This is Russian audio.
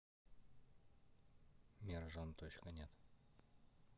merujan точка нет